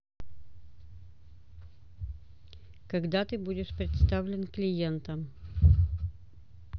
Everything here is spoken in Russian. когда ты будешь представлен клиентам